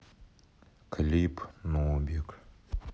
клип нубик